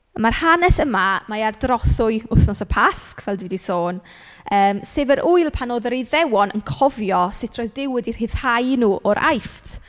A ma'r hanes yma, mae ar drothwy wythnos y Pasg fel dwi 'di sôn yym sef yr ŵyl pan oedd yr Iddewon yn cofio sut roedd Duw wedi rhyddhau nhw o'r Aifft.